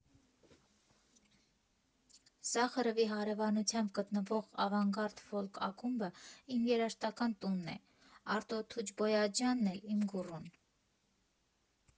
Սախարովի հարևանությամբ գտնվող Ավանգարդ Ֆոլք Ակումբը իմ երաժշտական տունն է, Արտո Թունջբոյաջյանն էլ՝ իմ գուռուն։